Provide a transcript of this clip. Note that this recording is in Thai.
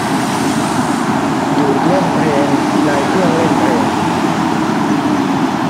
หยุดเล่นเพลงในเครื่องเล่นเพลง